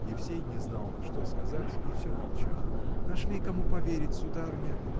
Евсей не знал, что сказать, и все молчал. – Нашли кому поверить, сударыня!